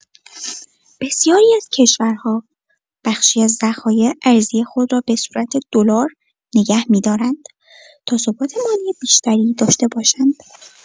بسیاری از کشورها بخشی از ذخایر ارزی خود را به صورت دلار نگه می‌دارند تا ثبات مالی بیشتری داشته باشند.